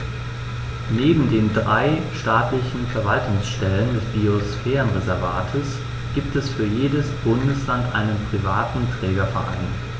Neben den drei staatlichen Verwaltungsstellen des Biosphärenreservates gibt es für jedes Bundesland einen privaten Trägerverein.